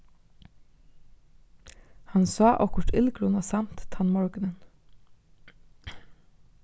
hann sá okkurt illgrunasamt tann morgunin